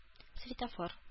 Светофор